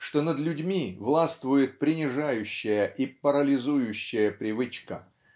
что над людьми властвует принижающая и парализующая привычка